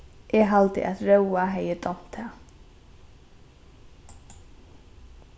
eg haldi at róa hevði dámt tað